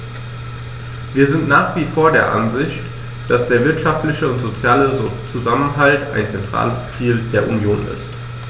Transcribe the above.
Wir sind nach wie vor der Ansicht, dass der wirtschaftliche und soziale Zusammenhalt ein zentrales Ziel der Union ist.